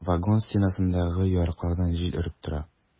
Вагон стенасындагы ярыклардан җил өреп тора.